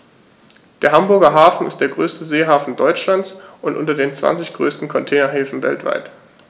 Der Hamburger Hafen ist der größte Seehafen Deutschlands und unter den zwanzig größten Containerhäfen weltweit.